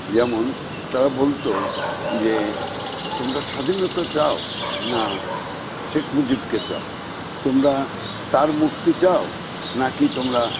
যেমন তারা বলতো তোমরা স্বাধীনতা চাও না শেখ মুজিবকে চাও তোমরা তাঁর মুক্তি চাও নাকি তোমরা